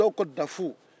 dɔw ko dafuu